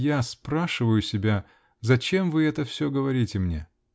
я спрашиваю себя, зачем вы это все говорите мне?